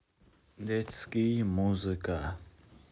детский музыка